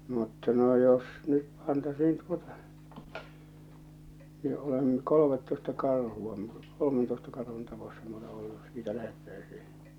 mutta no jos nyt pantaisiin tuota niin olen kolmetoista karhua - kolmentoista karhun tapossa minä olen ollut jos siitä lähdettäisiin